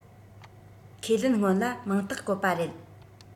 ཁས ལེན སྔོན ལ མིང རྟགས བཀོད པ རེད